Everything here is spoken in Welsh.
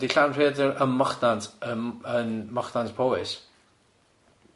Ydi Llanrhaeadr ym Mochnant ym yn Mochnant Powys?